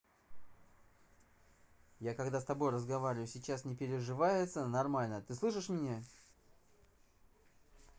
я когда с тобой разговариваю сейчас не переживается нормально ты слышишь меня